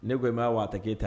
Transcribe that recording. Ne ko m' waa a ta'eyita